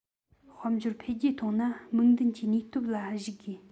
དཔལ འབྱོར འཕེལ རྒྱས གཏོང ན མིག མདུན གྱི ནུས སྟོབས ལ གཞིགས དགོས